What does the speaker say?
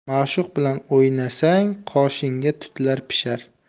ma'shuq bilan o'ynasang qoshingda tutlar pishar